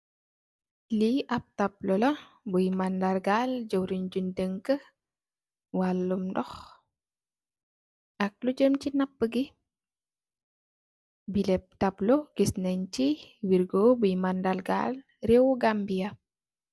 Li ap tapla la buy mandara gal jawrin jin dekka wallum ndox ak lu jém ci napó yi. Bileh Tapla gis nen ci wirgo buy mandara gal rewu Gambia.